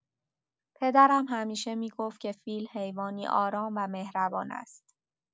پدرم همیشه می‌گفت که فیل حیوانی آرام و مهربان است.